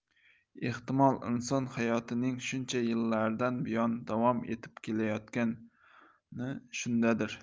ehtimol inson hayotining shuncha yillardan buyon davom etib kelayotgani shundandir